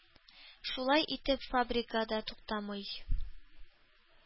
Шулай итеп, фабрика да туктамый,